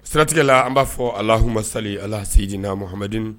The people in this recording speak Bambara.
Siratigɛla an b'a fɔ ah hamali ala sinjiinaa mahad